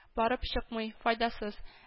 Барып чыкмый, файдасыз